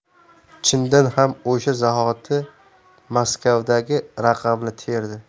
chindan ham o'sha zahoti moskvadagi raqamni terdi